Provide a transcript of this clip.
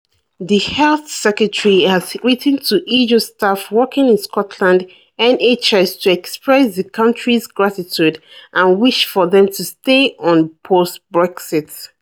The Health Secretary has written to EU staff working in Scotland's NHS to express the country's gratitude and wish for them to stay on post-Brexit.